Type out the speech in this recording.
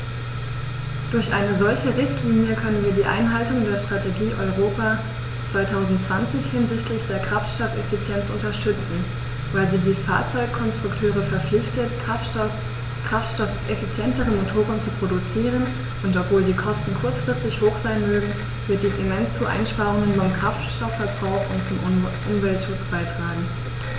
Durch eine solche Richtlinie können wir die Einhaltung der Strategie Europa 2020 hinsichtlich der Kraftstoffeffizienz unterstützen, weil sie die Fahrzeugkonstrukteure verpflichtet, kraftstoffeffizientere Motoren zu produzieren, und obwohl die Kosten kurzfristig hoch sein mögen, wird dies immens zu Einsparungen beim Kraftstoffverbrauch und zum Umweltschutz beitragen.